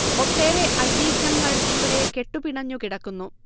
ഒട്ടെറെ ഐതിഹ്യങ്ങൾ ഇവിടെ കെട്ടു പിണഞ്ഞു കിടക്കുന്നു